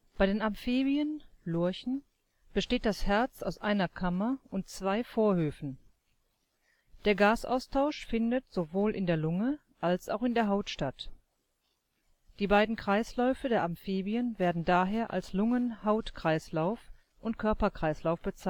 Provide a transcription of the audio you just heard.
Bei den Amphibien (Lurchen) besteht das Herz aus einer Kammer und zwei Vorhöfen. Der Gasaustausch findet sowohl in der Lunge als auch in der Haut statt. Die beiden Kreisläufe der Amphibien werden daher als Lungen-Haut-Kreislauf und Körperkreislauf bezeichnet